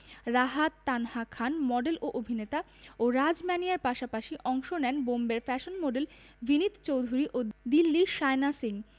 রাহা Tanha Khan model ও অভিনেতা ও রাজ ম্যানিয়ার পাশাপাশি অংশ নেন বোম্বের ফ্যাশন মডেল ভিনিত চৌধুরী ও দিল্লির শায়না সিং